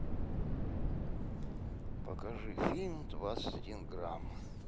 покажи фильм двадцать один грамм